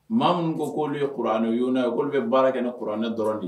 Maa minnu ko k'olu ye kuranɛ y'o ye'olu bɛ baara kɛ ne kuranɛ dɔrɔndi